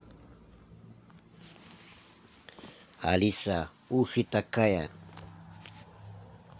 алиса уши такая